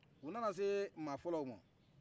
u nana se ma fɔlɔw ma